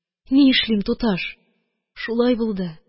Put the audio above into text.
Ни эшлим, туташ, шулай булды..